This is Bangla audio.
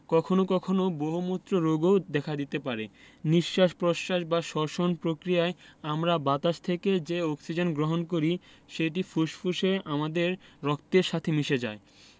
কখনো কখনো বহুমূত্র রোগও দেখা দিতে পারে নিঃশ্বাস প্রশ্বাস বা শ্বসন প্রক্রিয়ায় আমরা বাতাস থেকে যে অক্সিজেন গ্রহণ করি সেটি ফুসফুসে আমাদের রক্তের সাথে মিশে যায়